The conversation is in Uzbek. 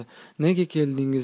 nega keldingiz